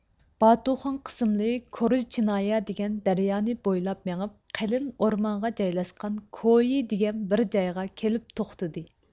باتۇخان قىسىملىرى كوروژىچنايا دېگەن دەريانى بويلاپ مېڭىپ قېلىن ئورمانغا جايلاشقان كويى دېگەن بىر جايغا كېلىپ توختىدى